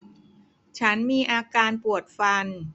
ฉันมีอาการปวดฟัน